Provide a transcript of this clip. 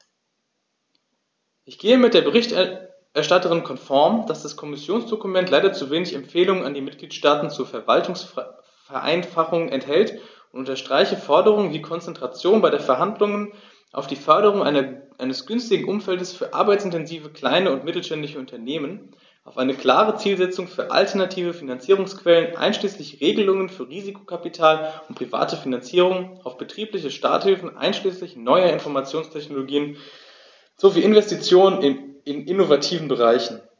Ich gehe mit der Berichterstatterin konform, dass das Kommissionsdokument leider zu wenig Empfehlungen an die Mitgliedstaaten zur Verwaltungsvereinfachung enthält, und unterstreiche Forderungen wie Konzentration bei Verhandlungen auf die Förderung eines günstigen Umfeldes für arbeitsintensive kleine und mittelständische Unternehmen, auf eine klare Zielsetzung für alternative Finanzierungsquellen einschließlich Regelungen für Risikokapital und private Finanzierung, auf betriebliche Starthilfen einschließlich neuer Informationstechnologien sowie Investitionen in innovativen Bereichen.